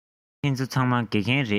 ཁྱེད ཚོ ཚང མ དགེ རྒན རེད